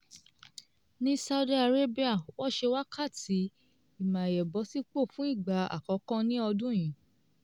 Ní Saudi Arabia, wọ́n ṣe Wákàtí Ìmáyébọ̀sípò fún ìgbà àkọ́kọ́ ní ọdún yìí.